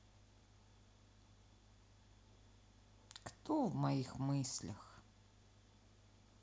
кто в моих мыслях